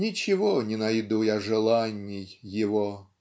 Ничего не найду я желанней его.